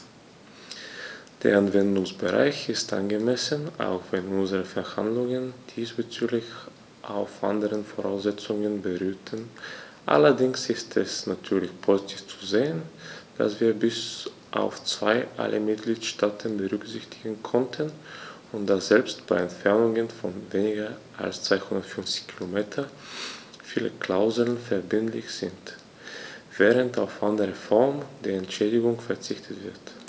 Der Anwendungsbereich ist angemessen, auch wenn unsere Verhandlungen diesbezüglich auf anderen Voraussetzungen beruhten, allerdings ist es natürlich positiv zu sehen, dass wir bis auf zwei alle Mitgliedstaaten berücksichtigen konnten, und dass selbst bei Entfernungen von weniger als 250 km viele Klauseln verbindlich sind, während auf andere Formen der Entschädigung verzichtet wird.